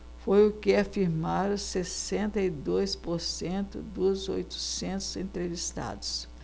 foi o que afirmaram sessenta e dois por cento dos oitocentos entrevistados